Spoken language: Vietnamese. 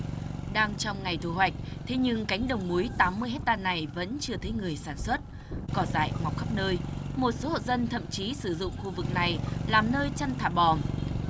đang trong ngày thu hoạch thế nhưng cánh đồng muối tám mươi héc ta này vẫn chưa thấy người sản xuất cỏ dại mọc khắp nơi một số hộ dân thậm chí sử dụng khu vực này làm nơi chăn thả bò